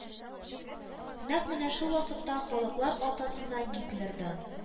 Нәкъ менә шул вакытта “халыклар атасы”на Гитлердан,